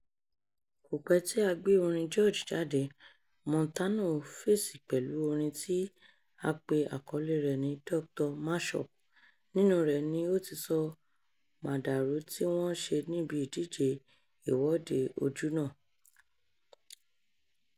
Kò pẹ́ tí a gbé orin George jáde, Montano fèsì pẹ̀lú orin tí a pe àkọlée rẹ̀ ní "Dr. Mashup", nínúu rẹ̀ ni ó ti sọ màdàrú tí wọ́n ṣe níbi ìdíje Ìwọ́de Ojúná: